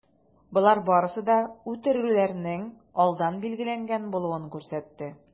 Болар барысы да үтерүләрнең алдан билгеләнгән булуын күрсәтә.